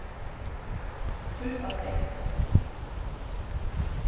trýst á seks